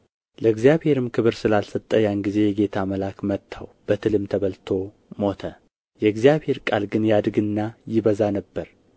ለእግዚአብሔርም ክብር ስላልሰጠ ያን ጊዜ የጌታ መልአክ መታው በትልም ተበልቶ ሞተ የእግዚአብሔር ቃል ግን ያድግና ይበዛ ነበር